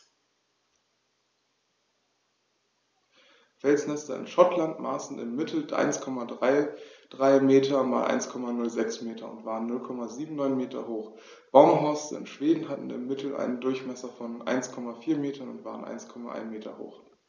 Felsnester in Schottland maßen im Mittel 1,33 m x 1,06 m und waren 0,79 m hoch, Baumhorste in Schweden hatten im Mittel einen Durchmesser von 1,4 m und waren 1,1 m hoch.